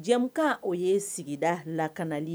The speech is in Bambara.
Jɛmukan o ye sigida lakanali ye